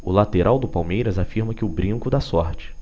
o lateral do palmeiras afirma que o brinco dá sorte